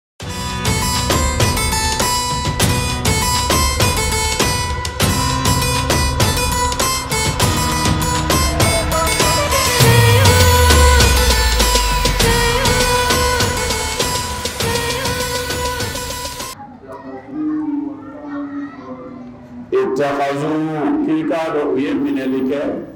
Z i ka u ye minɛli kɛ